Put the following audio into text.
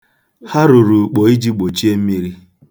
Ha rụrụ ukpo iji gbochie mmiri.